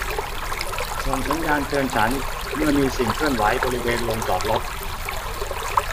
ส่งสัญญาณเตือนฉันเมื่อมีสิ่งเคลื่อนไหวบริเวณโรงจอดรถ